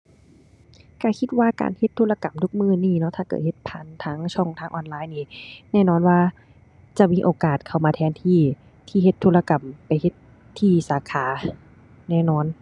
ก็คิดว่าการเฮ็ดธุรกรรมทุกมื้อนี้เนาะ ถ้าเกิดเฮ็ดผ่านทางช่องทางออนไลน์นี่ แน่นอนว่าจะมีโอกาสเข้ามาแทนที่ ที่เฮ็ดธุรกรรม ไปเฮ็ดที่สาขา แน่นอน